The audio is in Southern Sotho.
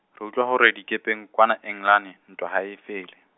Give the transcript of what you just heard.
re utlwa hore le dikepeng kwana Engelane ntwa ha e fele.